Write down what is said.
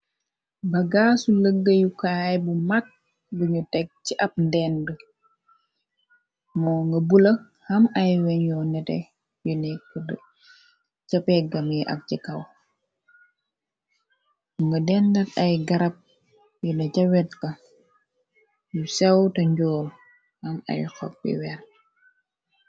ba gaasu lëggayukaay bu mag binu teg ci ab ndenn bi moo nga bula am ay wen yoo nete yu nekk ca peggami ak ci kaw nga dendat ay garab yu na ja wet ka yu sewte njoom am ay xob bi weer